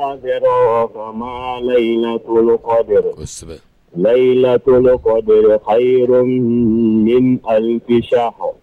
wala faama ma lahiyi kolo kɔɛ lahiyila kolo kɔ a minnu ni ali sa